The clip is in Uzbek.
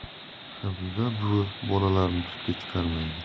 habiba buvi bolalarni tutga chiqarmaydi